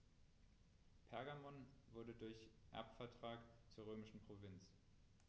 Pergamon wurde durch Erbvertrag zur römischen Provinz.